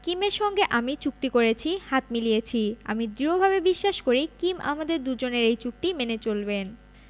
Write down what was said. কিমের সঙ্গে আমি চুক্তি করেছি হাত মিলিয়েছি আমি দৃঢ়ভাবে বিশ্বাস করি কিম আমাদের দুজনের এই চুক্তি মেনে চলবেন